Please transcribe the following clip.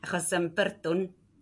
achos yym bydrwn